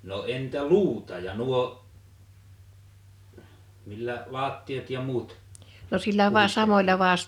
no entä luuta ja nuo millä lattiat ja muut puhdistettiin